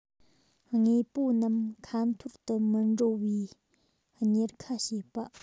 དངོས པོ རྣམས ཁ འཐོར དུ མི འགྲོ བའི གཉེར ཁ བྱེད པ